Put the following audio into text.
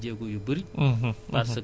loolu produits yooyu yépp nag am na